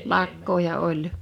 lakkoja oli